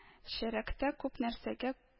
Шәрекътә күп нәрсәгә